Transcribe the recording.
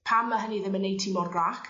pam ma' hynny ddim yn neud ti mor grac?